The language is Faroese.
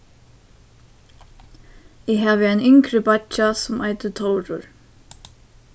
eg havi ein yngri beiggja sum eitur tórur